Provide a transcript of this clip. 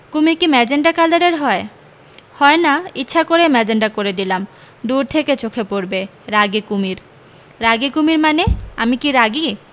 কুমীর কি মেজেন্টা কালারের হয় হয় না ইচ্ছা করেই মেজেন্টা করে দিলাম দূর থেকে চোখে পড়বে রাগী কুমীর রাগী কুমীর শানে আমি কি রাগী